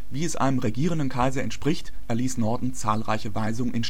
Wie es einem regierenden Kaiser entspricht, erließ Norton zahlreiche Weisungen